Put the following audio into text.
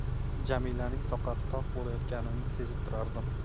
jamilaning toqati toq bo'layotganini sezib turardim